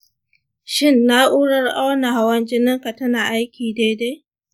shin na’urar auna hawan jininka tana aiki daidai?